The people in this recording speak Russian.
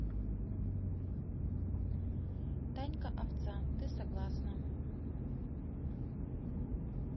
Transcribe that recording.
танька овца ты согласна